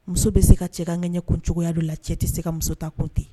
Muso bɛ se ka cɛ ka ŋɛɲɛ kun cogoyaya dɔ la , cɛ tɛ se ka muso ta kun ten.